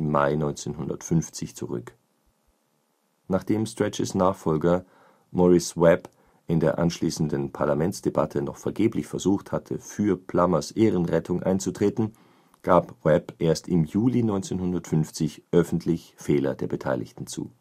Mai 1950 zurück. Nachdem Stracheys Nachfolger Maurice Webb in der anschließenden Parlamentsdebatte noch vergeblich versucht hatte, für Plummers Ehrenrettung einzutreten gab Webb erst im Juli 1950 öffentlich Fehler der Beteiligten zu